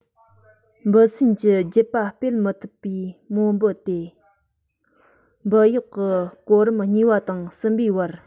འབུ སྲིན གྱི རྒྱུད པ སྤེལ མི ཐུབ པའི མོ འབུ སྟེ འབུ གཡོག གི གོ རིམ གཉིས པ དང གསུམ པའི བར